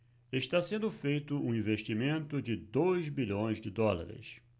está sendo feito um investimento de dois bilhões de dólares